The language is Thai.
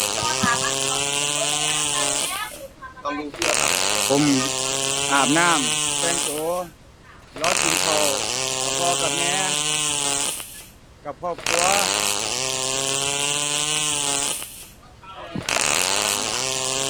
ผมอาบน้ำแต่งตัว รอกินข้าวกับพ่อกับแม่ กับครอบครัว